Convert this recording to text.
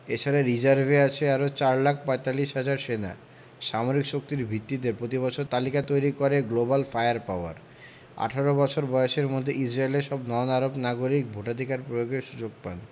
এ ছাড়া রিজার্ভে আছে আরও ৪ লাখ ৪৫ হাজার সেনা সামরিক শক্তির ভিত্তিতে প্রতিবছর তালিকা তৈরি করে গ্লোবাল ফায়ার পাওয়ার ১৮ বছর বয়সের মধ্যে ইসরায়েলের সব নন আরব নাগরিক ভোটাধিকার প্রয়োগের সুযোগ পান